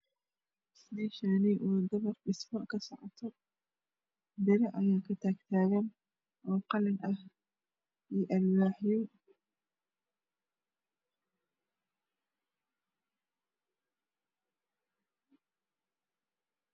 Meshani waa mel dhismo kasocoto biro aya katagtagan oo qalin ah io alwaxyo